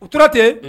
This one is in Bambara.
U tora ten